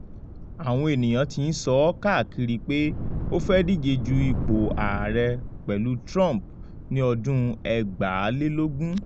Àwọn èèyàn tí n sọ káàkiri pé ó fẹ́ díje ju ipò ààrẹ pẹlú Trump ni ọdún 2020.